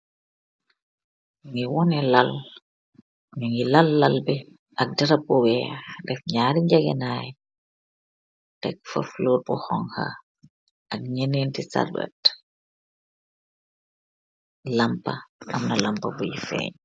ngi waneh lal. Nyu ngi lal lalbe ak darap bu wehh, def nyaari njagenaay, tek far flor bu honga ak nyeneenti sarbet. Lampa amna, lampa buy feenje.